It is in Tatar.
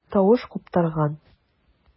Тавыш куптарган.